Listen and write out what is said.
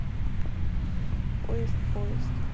поезд поезд